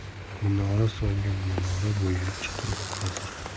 minora solgan minora bo'yi chuqur qazir